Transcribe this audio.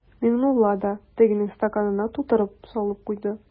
Миңнулла да тегенең стаканына тутырып салып куйды.